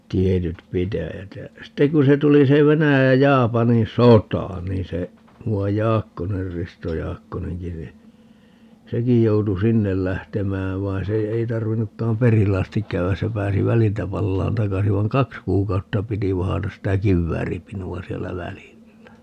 tietyt pitäjät ja sitten kun se tuli se Venäjän ja Japanin sota niin se muuan Jaakkonen Risto Jaakkonenkin niin sekin joutui sinne lähtemään vaan se ei tarvinnutkaan perille asti käydä se pääsi väliltä palaamaan takaisin vaan kaksi kuukautta piti vahdata sitä kivääripinoa siellä välillä